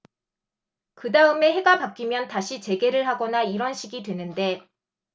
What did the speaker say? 그 다음에 해가 바뀌면 다시 재개를 하거나 이런 식이 되는데